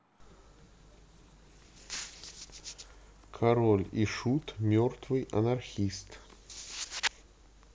король и шут мертвый анархист